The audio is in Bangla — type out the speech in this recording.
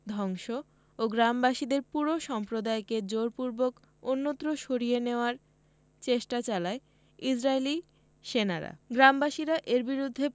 ধ্বংস ও গ্রামবাসীদের পুরো সম্প্রদায়কে জোরপূর্বক অন্যত্র সরিয়ে নেয়ার চেষ্টা চালায় ইসরাইলি সেনারা গ্রামবাসীরা এর বিরুদ্ধে